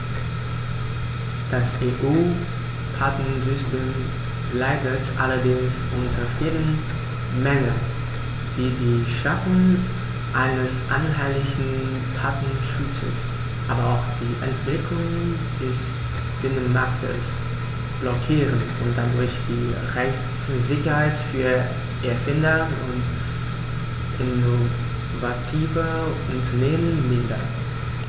Das EU-Patentsystem leidet allerdings unter vielen Mängeln, die die Schaffung eines einheitlichen Patentschutzes, aber auch die Entwicklung des Binnenmarktes blockieren und dadurch die Rechtssicherheit für Erfinder und innovative Unternehmen mindern.